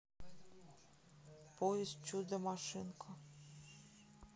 поезд чудо машинка